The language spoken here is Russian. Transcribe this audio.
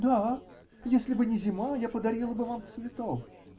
-- Да. Если бы не зима, я подарила бы вам цветов.